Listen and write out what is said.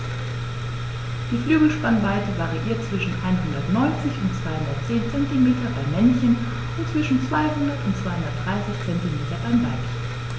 Die Flügelspannweite variiert zwischen 190 und 210 cm beim Männchen und zwischen 200 und 230 cm beim Weibchen.